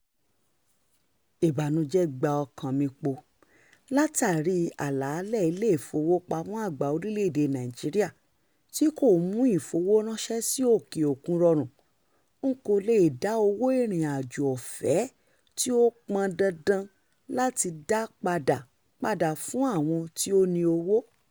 Ìbànújẹ́ gba ọkàn mi poo látàríi àlàálẹ̀ Ilé-Ìfowópamọ́ Àgbà orílẹ̀-èdè Nàìjíríà tí kò mú ìfowó ránṣẹ́ sí òkè òkun rọrùn; n kò le è dá owó ìrìnàjò ọ̀fẹ́ tí ó pọn dandan láti dá padà padà fún àwọn tí ó ni owó.